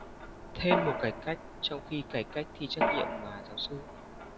thêm một cải cách trong khi cải cách thi trắc nghiệm mà giáo sư